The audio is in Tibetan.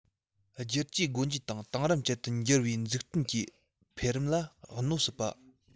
བསྒྱུར བཅོས སྒོ འབྱེད དང དེང རབས ཅན དུ འགྱུར བའི འཛུགས སྐྲུན གྱི འཕེལ རིམ ལ གནོད སྲིད པ